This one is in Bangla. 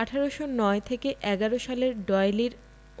১৮০৯ ১১ সালের ডয়েলীর